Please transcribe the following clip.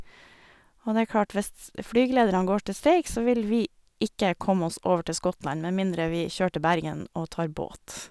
Og det er klart, hvis flygelederne går til streik, så vil vi ikke komme oss over til Skottland med mindre vi kjører til Bergen og tar båt.